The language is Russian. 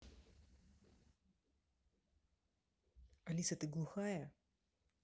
алиса ты глухая